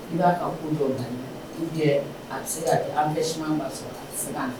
N b'a ka kun jɔ an bɛ su ka sɔrɔ